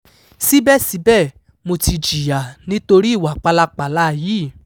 Síbẹ̀síbẹ̀, mo ti jìyà nítorí ìwà pálapàla yìí.